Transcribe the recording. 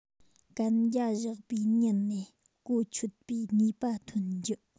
གན རྒྱ བཞག པའི ཉིན ནས གོ ཆོད པའི ནུས པ འཐོན རྒྱུ